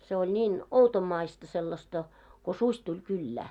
se oli niin outomaista sellaista kun susi tuli kylään